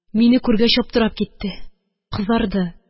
Мине күргәч аптырап китте, кызарды